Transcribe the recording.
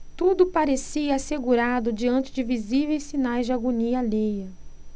tudo parecia assegurado diante de visíveis sinais de agonia alheia